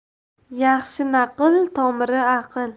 yaxshi naql tomiri aql